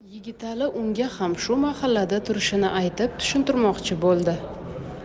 yigitali unga ham shu mahallada turishini aytib tushuntirmoqchi bo'ldi